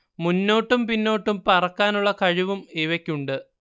മുന്നോട്ടും പിന്നോട്ടും പറക്കാനുള്ള കഴിവും ഇവയ്ക്കുണ്ട്